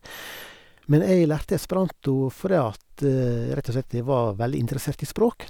Men jeg lærte esperanto fordi at rett og slett jeg var veldig interessert i språk.